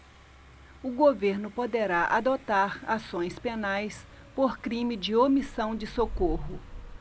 o governo poderá adotar ações penais por crime de omissão de socorro